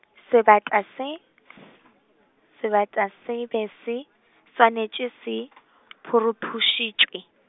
sebata se s- , sebata se be se, swanetše se, phuruphušitšwe.